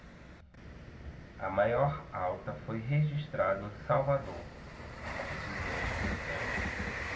a maior alta foi registrada em salvador de dezoito por cento